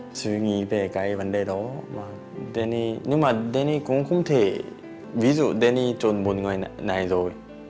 suy nghĩ về cái vấn đề đó mà đen ni nhưng mà đen ni cũng không thể ví dụ đen ni chọn một người này này rồi